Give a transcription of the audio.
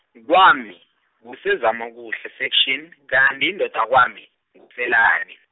kwami, kuseZamokuhle Section , kanti indoda, yakwami nguFelani.